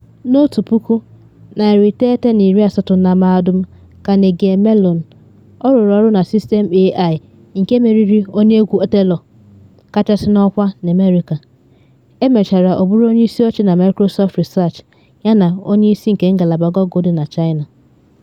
Na 1980 na Mahadum Carnegie Mellon ọ rụrụ ọrụ na sistemụ AI nke meriri onye egwu Othello kachasị n’ọkwa na America, emechara ọ bụrụ onye isi oche na Microsoft Research yana onye isi nke ngalaba Google dị na China.